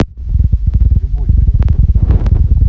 любой блядь давай